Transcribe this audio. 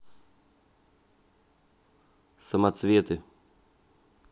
самоцветы